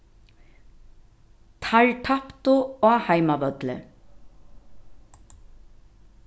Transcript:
teir taptu á heimavølli